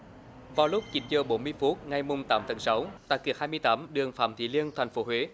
vào lúc chín giờ bốn mươi phút ngày mùng tám tháng sáu tại kiệt hai mươi tám đường phạm thị liên thành phố huế